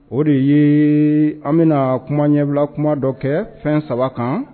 O de ye an bɛna kuma ɲɛbila kuma dɔ kɛ fɛn saba kan